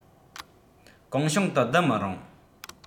གང བྱུང དུ བསྡུ མི རུང